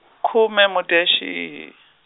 khume Mudyaxihi.